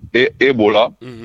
E e' la